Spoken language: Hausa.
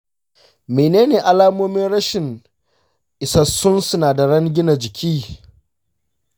mene ne alamomin rashin isassun sinadaran gina jiki?